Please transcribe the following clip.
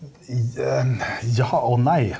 j ja og nei.